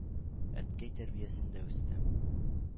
Әткәй тәрбиясендә үстем.